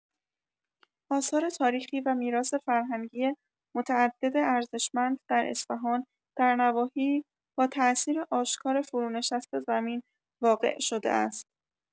آثار تاریخی و میراث‌فرهنگی متعدد ارزشمند در اصفهان در نواحی با تاثیر آشکار فرونشست زمین واقع‌شده است.